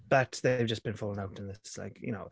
But they've just been falling out, and it's like, you know?